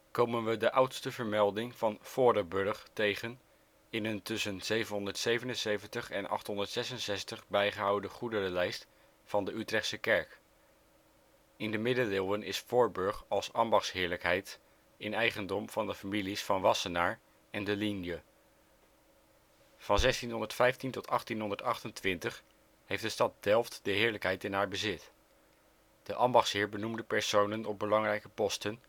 komen we de oudste vermelding van ' Foreburg ' tegen in een tussen 777 en 866 bijgehouden goederenlijst van de Utrechtse kerk. In de Middeleeuwen is Voorburg als ambachtsheerlijkheid in eigendom van de families Van Wassenaar en De Ligne. Van 1615 tot 1828 heeft de stad Delft de heerlijkheid in haar bezit. De ambachtsheer benoemde personen op belangrijke posten